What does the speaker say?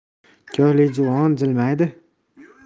ko'hlik juvon jilmaydi